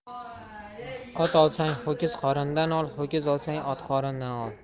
ot olsang ho'kiz qorindan ol ho'kiz olsang ot qorindan ol